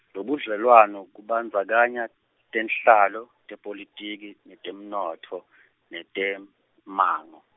lobudlelwano kubandzakanya, tenhlalo, tepolitiki, ne temnotfo netemmango.